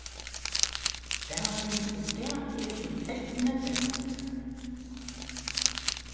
dagurin í dag er tín eydnudagur